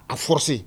A forcer